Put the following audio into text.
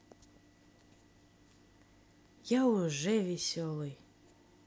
я уже веселый